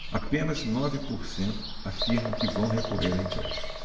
apenas nove por cento afirmam que vão recorrer a empréstimos